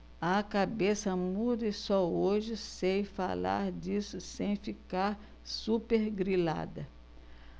a cabeça muda e só hoje sei falar disso sem ficar supergrilada